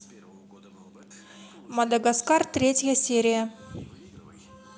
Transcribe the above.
мадагаскар третья серия